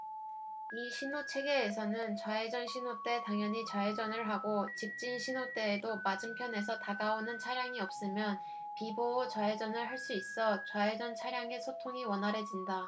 이 신호체계에서는 좌회전 신호 때 당연히 좌회전을 하고 직진 신호 때에도 맞은편에서 다가오는 차량이 없으면 비보호 좌회전을 할 수 있어 좌회전 차량의 소통이 원활해진다